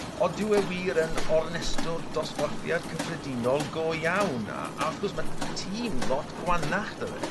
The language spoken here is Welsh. Odyw e wir yn ornestwr dosbarthiad cyffredinol go iawn a a wrth gwrs ma' tîm lot gwanach 'da fe.